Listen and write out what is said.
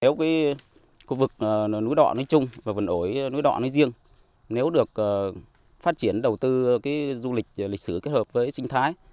nếu khu vực núi đọ nói chung và vườn ổi núi đọ nói riêng nếu được phát triển đầu tư cái du lịch lịch sử kết hợp với sinh thái